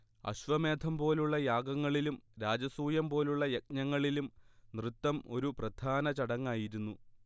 അശ്വമേധം പോലുള്ള യാഗങ്ങളിലും രാജസൂയം പോലുള്ള യജ്ഞങ്ങളിലും നൃത്തം ഒരു പ്രധാന ചടങ്ങായിരുന്നു